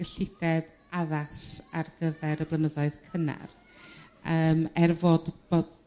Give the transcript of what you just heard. gyllideb addas ar gyfer y blynyddoedd cynnar yrm er fod bod